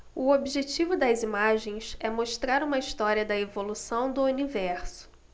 o objetivo das imagens é mostrar uma história da evolução do universo